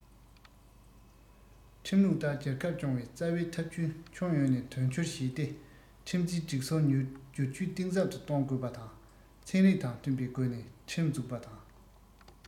ཁྲིམས ལུགས ལྟར རྒྱལ ཁབ སྐྱོང བའི རྩ བའི ཐབས ཇུས ཁྱོན ཡོངས ནས དོན འཁྱོལ བྱས ཏེ ཁྲིམས འཛིན སྒྲིག སྲོལ སྒྱུར བཅོས གཏིང ཟབ ཏུ གཏོང དགོས པ དང ཚན རིག དང མཐུན པའི སྒོ ནས ཁྲིམས འཛུགས པ དང